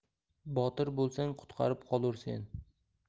botir bo'lsang qutqarib qolursen